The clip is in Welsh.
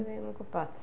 Dwi ddim yn gwbod.